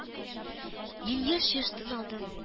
Мин еш-еш тын алдым